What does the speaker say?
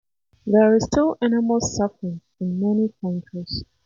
“There is still enormous suffering in many countries.”